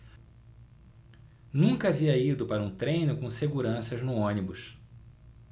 nunca havia ido para um treino com seguranças no ônibus